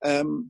yym